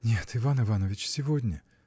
— Нет, Иван Иванович, сегодня!